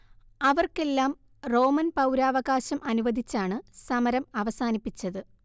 അവർക്കെല്ലാം റോമൻ പൗരാവകാശം അനുവദിച്ചാണ് സമരം അവസാനിപ്പിച്ചത്